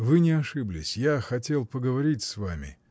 Вы не ошиблись, я хотел поговорить с вами.